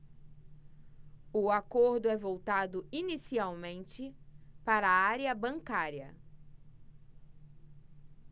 o acordo é voltado inicialmente para a área bancária